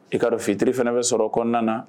I ka fitiri fana bɛ sɔrɔ kɔnɔna na